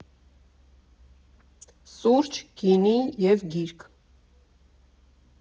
Սուրճ, գինի և գիրք։